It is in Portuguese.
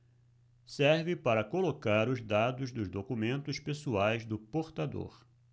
serve para colocar os dados dos documentos pessoais do portador